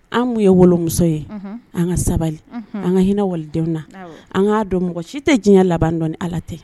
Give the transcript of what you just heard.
An' ye wololɔmuso ye an ka sabali an ka hinɛ walidenw na an k'a dɔn mɔgɔ si tɛ diɲɛ laban dɔn ala tɛ